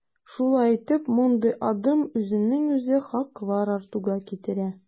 Шулай итеп, мондый адым үзеннән-үзе хаклар артуга китерә.